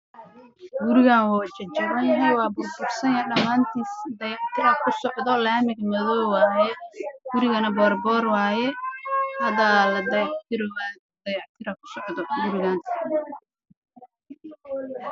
Guri jijaban oo boor boor ah